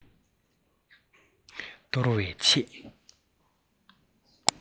གཏོར བའི ཆེད